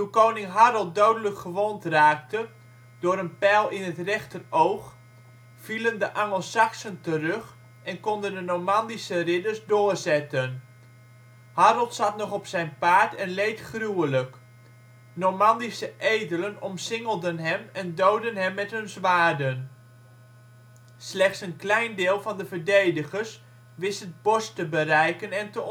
koning Harold dodelijk gewond raakte (door een pijl in het rechteroog), vielen de Angelsaksen terug en konden de Normandische ridders doorzetten. Harold zat nog op zijn paard en leed gruwelijk. Normandische edelen omsingelden hem en doodden hem met hun zwaarden. Slechts een klein deel van de verdedigers wist het bos te bereiken en te